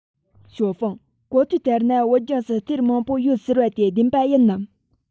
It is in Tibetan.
ཞའོ ཧྥུང གོ ཐོས ལྟར ན བོད ལྗོངས སུ གཏེར མང པོ ཡོད ཟེར བ དེ བདེན པ ཡིན ནམ